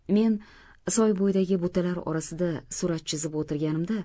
men soy bo'yidagi butalar orasida surat chizib o'tirganimda